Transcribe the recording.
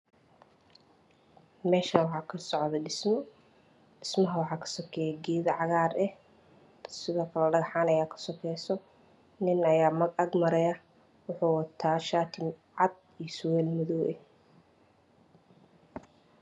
Meshan waxa kasocda dhismo dhismaha waxa kasokeya gedo cagar ah sidokle dhagacan aya kahoreso nin aya ag maraya woxo wata shati cad iyo surwal madow ah